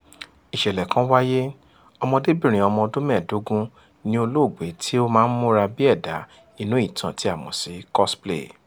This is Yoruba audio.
Ìṣẹ̀lẹ̀ kan wáyé, ọmọdébìnrin ọmọ ọdún 15 ni olóògbé tí ó máa ń múra bí ẹ̀dá-inú ìtàn tí a mọ̀ sí cosplay.